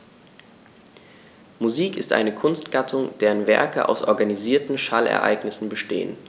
Musik ist eine Kunstgattung, deren Werke aus organisierten Schallereignissen bestehen.